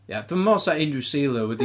Ie dwi'm yn meddwl fysa unhryw sailor wedi...